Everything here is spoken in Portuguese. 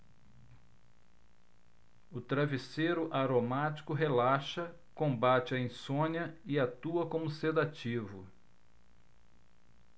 o travesseiro aromático relaxa combate a insônia e atua como sedativo